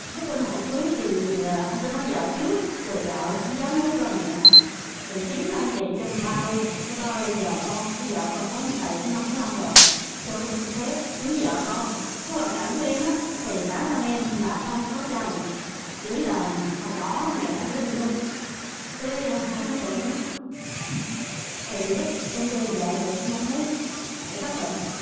lúc anh hỏi cưới thì anh cứ nói dợ trước rồi dợ hổng dám nói với ba mẹ thì chính anh điện cho ba luôn nói ba ơi bây giờ con với vợ con sống tày cũng năm sáu năm rồi cho con xin phép cưới vợ con cái hoàn cảnh của em á thì bản thân em là không có cha mẹ chỉ là hồi nhỏ mẹ sinh đôi thế hai mấy tuổi mẹ mất thì lúc em quen giờ em được cũng năm mấy mẹ phát bệnh